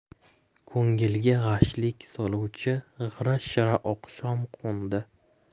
ko'ngilga g'ashlik soluvchi g'ira shira oqshom qo'ndi